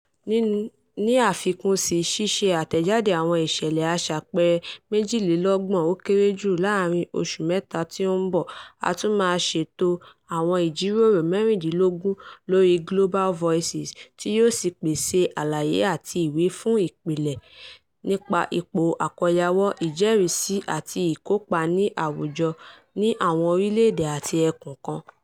Ní àfikún sí ṣíṣe àtẹ̀jáde àwọn ìṣẹ̀lẹ̀ aṣàpẹẹrẹ 32 ó kéré jù láàárín oṣù mẹ́ta tí ó ń bọ̀, a tún máa ṣètò àwọn ìjíròrò 16 lórí Global Voices tí yóò pèsè àlàyé àti ìwífún ìpìlẹ̀ nípa ipò àkòyawọ́, ìjẹ́rìísí àti ìkópa ní àwùjọ ní àwọn orílẹ̀-èdè àti ẹkùn kan.